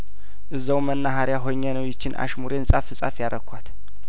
እዛው መናሀሪያ ሆኜ ነው ይችን አሽሙሬን ጻፍ ጻፍ ያረኳት